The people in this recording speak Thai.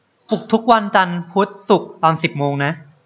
ปลุกทุกวันจันทร์พุธศุกร์ตอนสิบโมงนะ